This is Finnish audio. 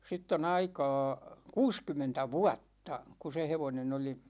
siitä on aikaa kuusikymmentä vuotta kun se hevonen oli